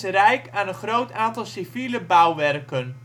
rijk aan een groot aantal civiele bouwwerken